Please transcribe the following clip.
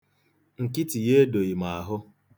Nkịtị ya edoghị m ahụ.